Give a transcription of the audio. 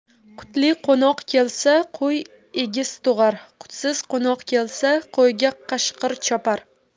qutli qo'noq kelsa qo'y egiz tug'ar qutsiz qo'noq kelsa qo'yga qashqir chopar